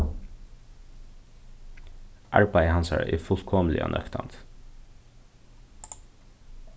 arbeiði hansara er fullkomiliga nøktandi